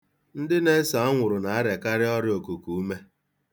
Ndị na-ese anwụrụ na-arịakarị ọrịa okuku ume.